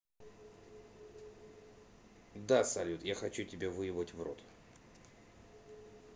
да салют я хочу тебя выебать в рот